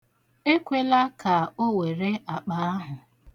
Ekwela ka o were akpa ahụ.